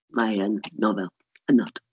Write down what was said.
Mae yn nofel hynod.